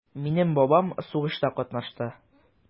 Минем бабам сугышта катнашты.